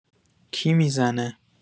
کی می‌زنه؟